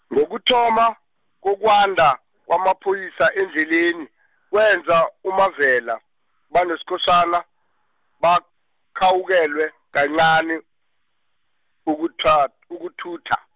ngokuthoma, kokwanda, kwamapholisa, endleleni kwenza uMavela, banoSkhosana, bakhawukelwe- kancani, ukuthat- ukuthutha.